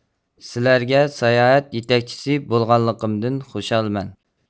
سىلەرگە ساياھەت يېتەكچىسى بولغانلىقىمدىن خۇشالمەن